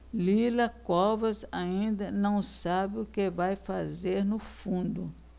lila covas ainda não sabe o que vai fazer no fundo